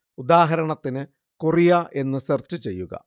ഉദാഹരണത്തിന് കൊറിയ എന്നു സെർച്ച് ചെയ്യുക